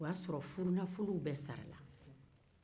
o y'a sɔrɔ furunafolow bɛɛ sarala